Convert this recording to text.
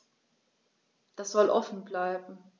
Das soll offen bleiben.